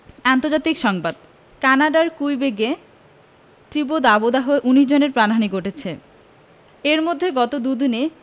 আন্তর্জাতিক সংবাদ কানাডার কুইবেকে তীব্র দাবদাহে ১৯ জনের প্রাণহানি ঘটেছে এর মধ্যে গত দুদিনে